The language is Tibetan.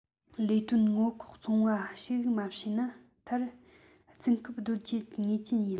ལས དོན ངོ ལྐོག མཚུངས པ ཞིག མ བྱས ན མཐར རྫུན རྐུབ བརྡོལ རྒྱུ ངེས ཅན ཡིན